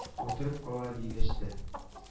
Утырып кала дигәч тә